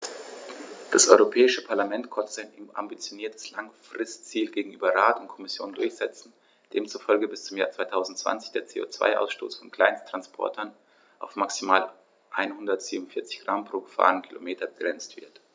Das Europäische Parlament konnte sein ambitioniertes Langfristziel gegenüber Rat und Kommission durchsetzen, demzufolge bis zum Jahr 2020 der CO2-Ausstoß von Kleinsttransportern auf maximal 147 Gramm pro gefahrenem Kilometer begrenzt wird.